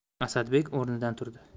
asadbek o'rnidan turdi